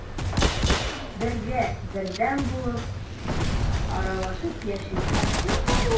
Бергә, бердәм булып аралашып яшик.